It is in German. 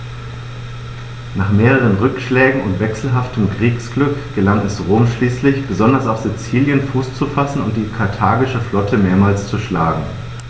Nach mehreren Rückschlägen und wechselhaftem Kriegsglück gelang es Rom schließlich, besonders auf Sizilien Fuß zu fassen und die karthagische Flotte mehrmals zu schlagen.